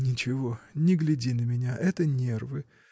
— Ничего, не гляди на меня: это нервы.